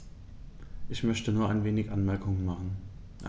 Ich möchte nur wenige Anmerkungen machen.